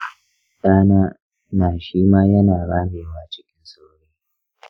ɗana na shima yana ramewa cikin sauri.